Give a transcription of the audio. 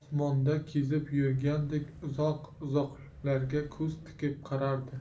osmonda kezib yurgandek uzoq uzoqlarga ko'z tikib qarardi